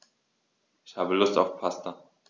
Ich habe Lust auf Pasta.